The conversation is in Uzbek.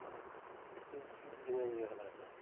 unsizgina yig'ladi